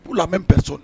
K'u lamɛn bɛn sɔn